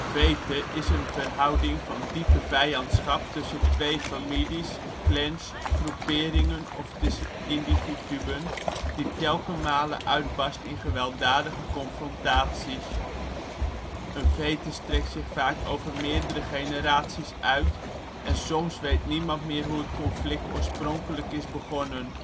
vete is een verhouding van diepe vijandschap, tussen twee families, clans, groeperingen, of tussen individuen, die telkenmale uitbarst in gewelddadige confrontaties. Een vete strekt zich vaak over meerdere generaties uit, en soms weet niemand meer hoe het conflict oorspronkelijk is begonnen